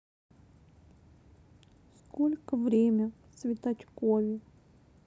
сколько время в цветочкове